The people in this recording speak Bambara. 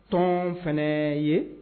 Tɔn fɛnɛ ye